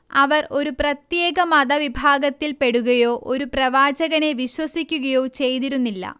അവർ ഒരു പ്രത്യേക മതവിഭാഗത്തിൽപ്പെടുകയോ ഒരു പ്രവാചകനെ വിശ്വസിക്കുകയോ ചെയ്തിരുന്നില്ല